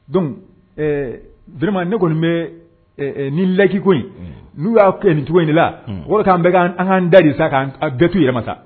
Don ne kɔni bɛ nin laki ko n'u y'a nin cogo de la o de k'an bɛ ka an kaan da de ta k' bɛɛtu yɛrɛ ma sa